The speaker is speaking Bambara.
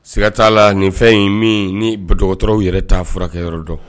Siga t'a la nin fɛn in min ni ba dɔgɔ dɔgɔtɔrɔw yɛrɛ taa furakɛyɔrɔ dɔn